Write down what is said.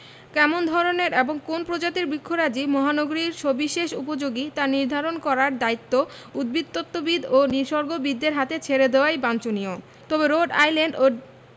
কেমন ধরনের এবং কোন্ প্রজাতির বৃক্ষরাজি মহানগরীর সবিশেষ উপযোগী তা নির্ধারণ করার দায়িত্ব উদ্ভিদতত্ত্ববিদ ও নিসর্গবিদদের হাতে ছেড়ে দেয়াই বাঞ্ছনীয় তবে রোড আইল্যান্ড